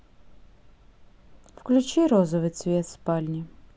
включи розовый цвет в спальне